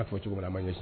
A fɔ ye